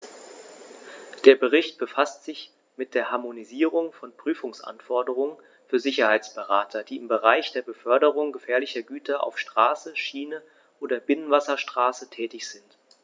Der Bericht befasst sich mit der Harmonisierung von Prüfungsanforderungen für Sicherheitsberater, die im Bereich der Beförderung gefährlicher Güter auf Straße, Schiene oder Binnenwasserstraße tätig sind.